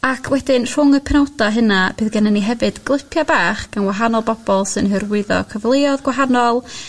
ac wedyn rhwng y penawda hynna bydd gyno ni hefyd glipia bach gan wahanol bobol sy'n hyrwyddo cyfleuodd gwahanol